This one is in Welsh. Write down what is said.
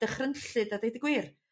dychrynllyd a deud y gwir.